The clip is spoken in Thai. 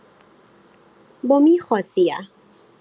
บ่มีข้อเสีย